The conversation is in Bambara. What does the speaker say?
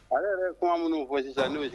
Ale yɛrɛ ye kuma minnu fɔ sisan n'o ye